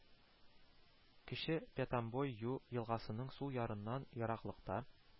Кече Пятомбой-Ю елгасының сул ярыннан ераклыкта